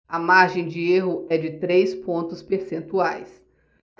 a margem de erro é de três pontos percentuais